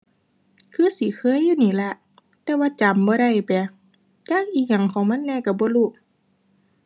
คือสิเคยอยู่นี่แหละ แต่ว่าจำบ่ได้แหม จักอิหยังของมันแหน่ก็บ่รู้